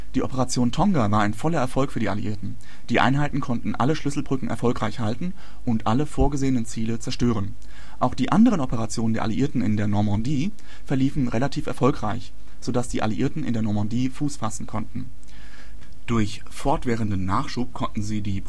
Die Operation Tonga war ein voller Erfolg für die Alliierten. Die Einheiten konnten alle Schlüsselbrücken erfolgreich halten und alle vorgesehenen Ziele zerstören. Auch die anderen Operationen der Alliierten in der Normandie verliefen relativ erfolgreich, so dass die Alliierten in der Normandie Fuß fassen konnten. Durch fortwährenden Nachschub konnten sie die